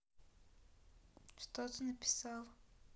что ты написал